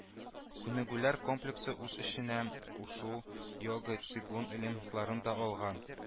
Күнегүләр комплексы үз эченә ушу, йога, цигун элементларын да алган